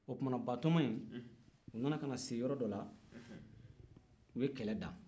o tuma batoma in o nana se yɔrɔ dɔ la u ye kɛlɛ da